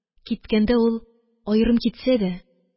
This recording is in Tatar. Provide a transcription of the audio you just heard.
Киткәндә ул, аерым китсә дә,